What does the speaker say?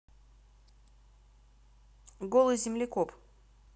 голый землекоп